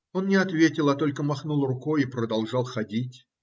Он не ответил, а только махнул рукой и продолжал ходить.